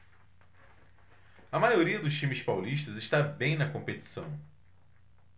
a maioria dos times paulistas está bem na competição